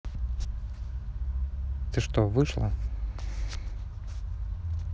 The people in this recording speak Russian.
ты что вышла